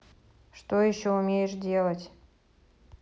что еще умеешь делать